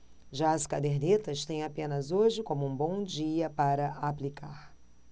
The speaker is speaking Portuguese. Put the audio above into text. já as cadernetas têm apenas hoje como um bom dia para aplicar